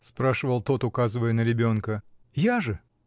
— спрашивал тот, указывая на ребенка. — Я же.